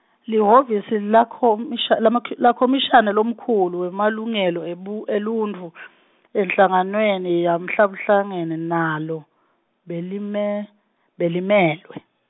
lihhovisi lakhomisha- lamakho- lakhomishani lomkhulu, wemalungelo ebu- eluntfu , enhlanganweni yamhlabuhlangene nalo, belime- belimelwe.